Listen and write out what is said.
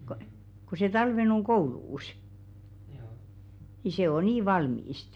kun kun se talven on koulussa niin se on niin valmista